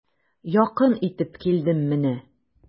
Якын итеп килдем менә.